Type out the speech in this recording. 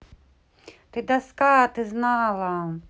ты доска ты знала